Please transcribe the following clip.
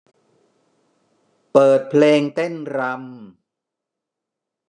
เปิดเพลงเต้นรำ